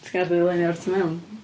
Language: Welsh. Ti'n cael gweld luniau o'r tu mewn?